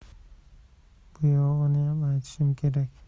bu yog'iniyam aytishim kerak